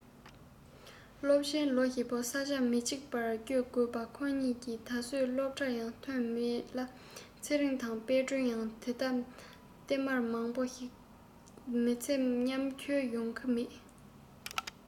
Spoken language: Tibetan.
སློབ ཆེན ལོ བཞི པོ ས ཕྱོགས མི གཅིག པར བསྐྱོལ དགོས པ ཁོ གཉིས ནི ད གཟོད སློབ གྲྭ ཡང ཐོན མེད ལ ཚེ རིང དང དཔལ སྒྲོན ཡང དེ ལྟ སྟེ མར མང པོ ཞིག མི ཚེ མཉམ འཁྱོལ ཡོང གི མེད